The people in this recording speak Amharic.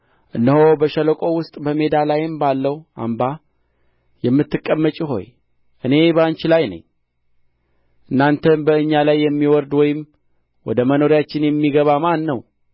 እነሆ በሸለቆው ውስጥ በሜዳ ላይም ባለው አምባ የምትቀመጪ ሆይ እኔ በአንቺ ላይ ነኝ እናንተም በእኛ ላይ የሚወርድ ወይም ወደ መኖሪያችን የሚገባ ማን ነው